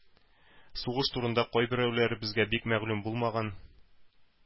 Сугыш турында кайберәүләребезгә бигүк мәгълүм булмаган